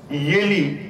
Mɛnni